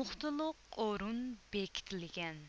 نۇقتىلىق ئورۇن بېكىتىلگەن